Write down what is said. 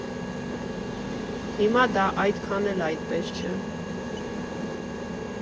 Հիմա դա այդքան էլ այդպես չէ։